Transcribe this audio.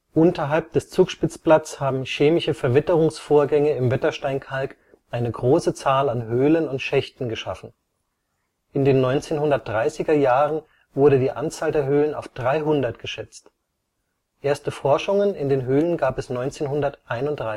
Unterhalb des Zugspitzplatts haben chemische Verwitterungsvorgänge im Wettersteinkalk eine große Zahl an Höhlen und Schächten geschaffen. In den 1930er Jahren wurde die Anzahl der Höhlen auf 300 geschätzt. Erste Forschungen in den Höhlen gab es 1931. Bis